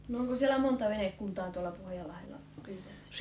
no onko siellä monta venekuntaa tuolla Pohjanlahdella pyytämässä